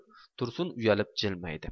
tursun uyalib jilmaydi